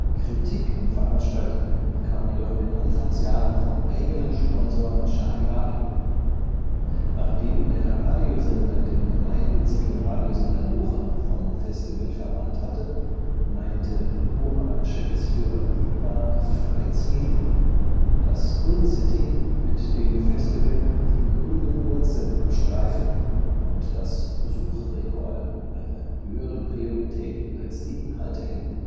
Kritik am Veranstalter kam jedoch in den Anfangsjahren vom eigenen Sponsor Charivari. Nachdem der Radiosender den gemeinnützigen Radiosender Lora vom Festival verbannt hatte, meinte Lora-Geschäftsführer Dietmar Freitsmiedl, dass Green City mit dem Festival die „ grünen Wurzeln “abstreife und dass „ Besucherrekorde “eine höhere Priorität als die Inhalte hätten